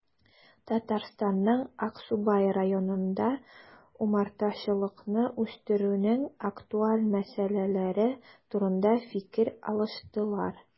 Татарстанның Аксубай районында умартачылыкны үстерүнең актуаль мәсьәләләре турында фикер алыштылар